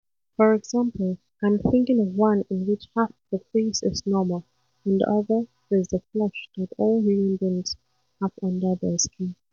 For example, I'm thinking of one in which half the face is normal and the other is the flesh that all human beings have under their skin.